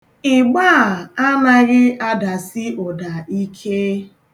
Ịgba a anaghị adasi ụda ike.